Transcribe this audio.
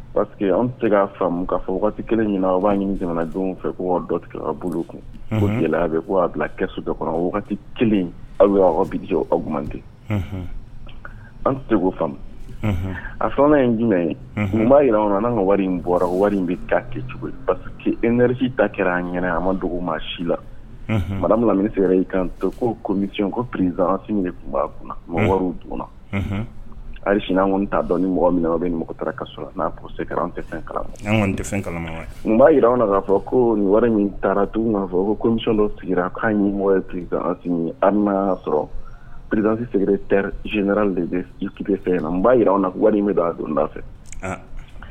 Parceseke an ka fɔ kelen ɲɛna u b'a ɲini jamanadenw fɛ ko dɔ tigɛ ka bolo kun bɛ bila kɛ so dɔ kɔnɔ wagati kelen aw' bi aw man an k'o fa a fana ye jumɛn ye b'a jira an' ka wari in bɔra wari in bɛ ta kɛ cogo pa que esi da kɛra an ɲ an ma dogo maa si la maraini y' kan to komisi ko prizansi tun b'a kun mɔgɔ ayi sini ta dɔn ni mɔgɔ min bɛ ni mɔgɔ taara ka n se an tɛ kalama b'a jira an'a fɔ ko nin wari min taara fɔ komi dɔ sigira' mɔgɔ pz sɔrɔ pzsi sen de fɛ na n b'a jira wari in bɛ a donda fɛ